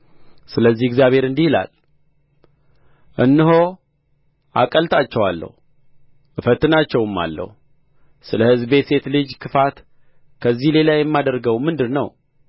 ስለዚህ እግዚአብሔር እንዲህ ይላል እነሆ አቀልጣቸዋለሁ እፈትናቸውማለሁ ስለ ሕዝቤ ሴት ልጅ ክፋት ከዚህ ሌላ የማደርገው ምንድር ነው